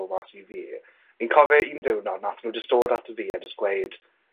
dod mas i fi. Fi'n cofio un diwrnod nathon nw jys dod ata fi a jys gweud